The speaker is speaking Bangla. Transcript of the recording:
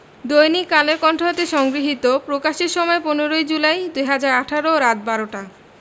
দৈনিক কালের কন্ঠ হতে সংগৃহীত প্রকাশের সময় ১৫ই জুলাই ২০১৮ রাত ১২টা